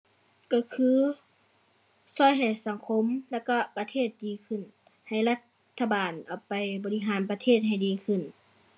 ก็คือก็ให้สังคมแล้วก็ประเทศดีขึ้น ให้รัฐบาลเอาไปบริหารประเทศให้ดีขึ้น